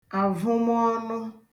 àvụmọọnụ